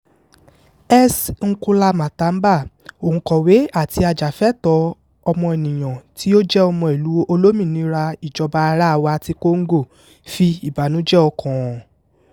S. Nkola Matamba, òǹkọ̀wé àti ajàfẹ́tọ̀ọ́ ọmọnìyan tí ó jẹ́ ọmọ Ìlú Olómìnira Ìjọba ara wa ti Congo, fi ìbánújẹ́ ọkàn hàn: